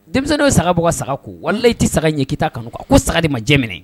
Denmisɛnninw ye saga bɔ, ka saga ko. walahi, i tɛ saga ni ye k'i kanu quoi . Ko saga in de ma jɛ mɛnɛ.